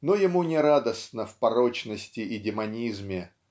Но ему нерадостно в порочности и демонизме